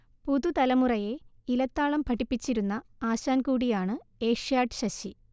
പുതുതലമുറയെ ഇലത്താളം പഠിപ്പിച്ചിരുന്ന ആശാൻ കൂടിയാണ് ഏഷ്യാഡ് ശശി